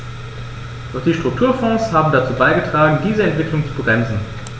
Doch die Strukturfonds haben dazu beigetragen, diese Entwicklung zu bremsen.